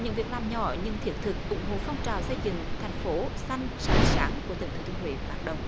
những việc làm nhỏ nhưng thiết thực ủng hộ phong trào xây dựng thành phố xanh sạch sáng của tỉnh thừa thiên huế phát động